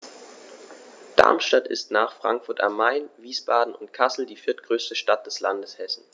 Darmstadt ist nach Frankfurt am Main, Wiesbaden und Kassel die viertgrößte Stadt des Landes Hessen